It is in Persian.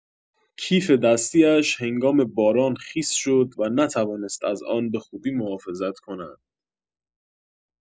کیف دستی‌اش هنگام باران خیس شد و نتوانست از آن به خوبی محافظت کند.